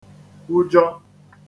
kwujọ